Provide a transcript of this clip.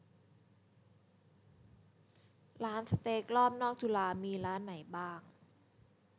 ร้านสเต็กรอบนอกจุฬามีร้านไหนบ้าง